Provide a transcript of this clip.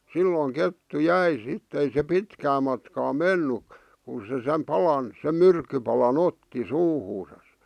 silloin kettu jäi sitten ei se pitkää matkaa mennyt kun se sen palan sen myrkkypalan otti suuhunsa